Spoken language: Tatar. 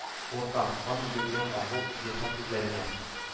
Куркам; Кан йөгергән агу, зәһәр күзләреңә.